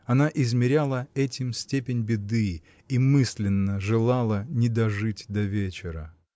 Она измеряла этим степень беды и мысленно желала не дожить до вечера.